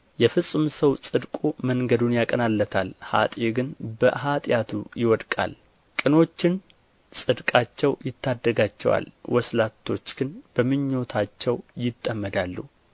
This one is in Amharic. የፍጹም ሰው ጽድቁ መንገዱን ያቀናለታል ኃጥእ ግን በኃጢአቱ ይወድቃል ቅኖችን ጽድቃቸው ይታደጋቸዋል ወስላቶች ግን በምኞታቸው ይጠመዳሉ